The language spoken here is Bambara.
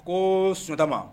Ko Sunjata ma